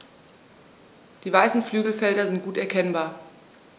Die weißen Flügelfelder sind gut erkennbar.